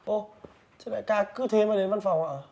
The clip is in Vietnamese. ô thế đại ca cứ thế mà đến văn phòng